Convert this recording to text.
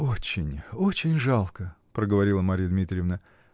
-- Очень, очень жалко, -- проговорила Марья Дмитриевна.